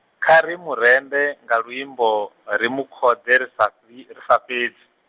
kha ri murenzhe, nga luimbo, ri mukhode ri sa fhi-, ri sa fhedzi.